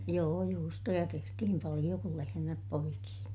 joo juustoja tehtiin paljon kun lehmät poiki